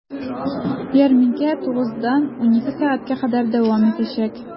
Ярминкә 9 дан 12 сәгатькә кадәр дәвам итәчәк.